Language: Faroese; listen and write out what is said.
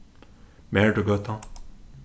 maritugøta